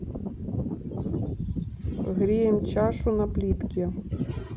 греем чашу на плитке